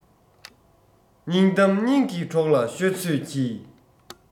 སྙིང གཏམ སྙིང གི གྲོགས ལ ཤོད ཚོད གྱིས